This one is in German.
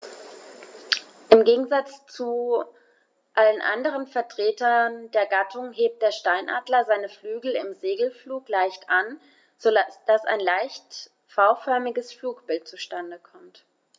Im Gegensatz zu allen anderen Vertretern der Gattung hebt der Steinadler seine Flügel im Segelflug leicht an, so dass ein leicht V-förmiges Flugbild zustande kommt.